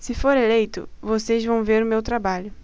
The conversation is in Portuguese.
se for eleito vocês vão ver o meu trabalho